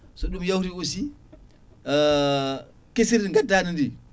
soɗum yawti aussi kessiri gaddadi ndi